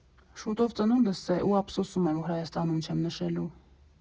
Շուտով ծնունդս է, ու ափսոսում եմ, որ Հայաստանում չեմ նշելու։